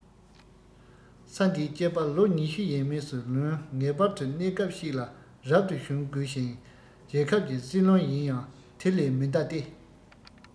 ས དེའི སྐྱེས པ ལོ ཉི ཤུ ཡས མས སུ ལོན ངེས པར དུ གནས སྐབས ཤིག ལ རབ ཏུ བྱུང དགོས ཤིང རྒྱལ ཁབ ཀྱི སྲིད བློན ཡིན ཡང དེ ལས མི འདའ སྟེ